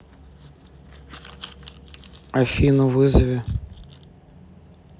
афину вызови